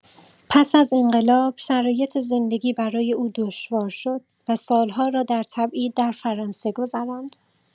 پس از انقلاب، شرایط زندگی برای او دشوار شد و سال‌ها را در تبعید در فرانسه گذراند.